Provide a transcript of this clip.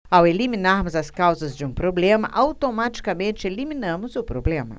ao eliminarmos as causas de um problema automaticamente eliminamos o problema